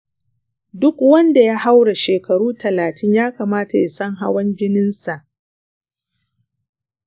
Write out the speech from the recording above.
duk wanda ya haura shekara talatin ya kamata ya san hawan jininsa.